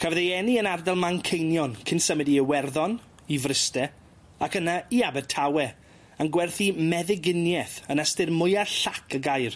Cafodd ei eni yn ardal Manceinion, cyn symud i Iwerddon, i Fryste, ac yna i Abertawe, yn gwerthu meddyginieth yn ystyr mwya llac y gair.